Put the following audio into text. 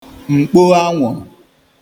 mkpo anwụ̀rụ̀